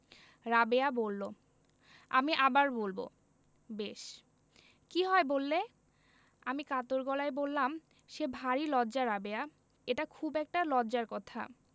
রাবেয়া বললো আমি আবার বলবো বেশ কি হয় বললে আমি কাতর গলায় বললাম সে ভারী লজ্জা রাবেয়া এটা খুব একটা লজ্জার কথা